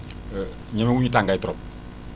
ñemewuñu tàngaay trop